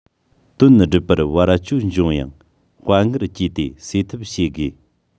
དོན སྒྲུབ པར བར གཅོད འབྱུང ཡང དཔའ ངར བསྐྱེད དེ སེལ ཐབས བྱེད དགོས